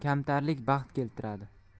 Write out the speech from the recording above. kamtarlik baxt keltiradi